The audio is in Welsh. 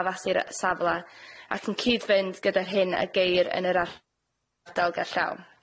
addas i'r y- safle ac yn cyd-fynd gyda'r hyn y geir yn yr ardal gerllaw.